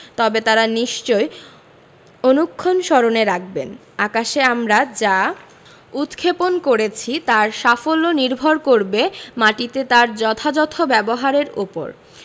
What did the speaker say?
তবে তাঁরা নিশ্চয় অনুক্ষণ স্মরণে রাখবেন আকাশে আমরা যা উৎক্ষেপণ করেছি তার সাফল্য নির্ভর করবে মাটিতে তার যথাযথ ব্যবহারের ওপর